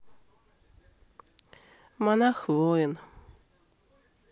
монах воин